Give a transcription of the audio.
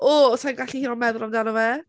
O, sa i'n gallu hyd yn oed meddwl amdano fe.